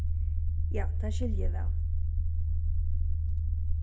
ja tað skilji eg væl